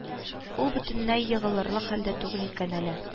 Ул бөтенләй егылырлык хәлдә түгел икән әле